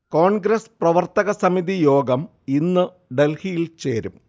കോൺഗ്രസ് പ്രവർത്തക സമിതി യോഗം ഇന്ന് ഡൽഹിയിൽ ചേരും